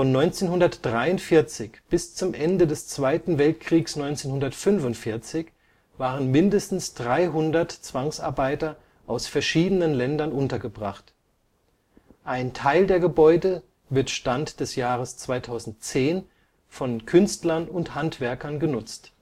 1943 bis zum Ende des Zweiten Weltkriegs 1945 waren mindestens 300 Zwangsarbeiter aus verschiedenen Ländern untergebracht. Ein Teil der Gebäude wird Stand 2010 von Künstler und Handwerkern genutzt